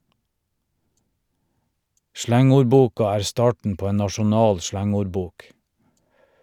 Slangordboka er starten på en nasjonal slangordbok.